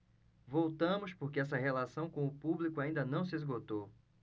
voltamos porque essa relação com o público ainda não se esgotou